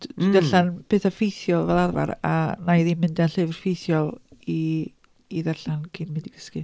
D- dwi'n darllen... mm ...pethau ffeithiol fel arfer, a wna i ddim mynd â llyfr ffeithiol i i ddarllen cyn mynd i gysgu.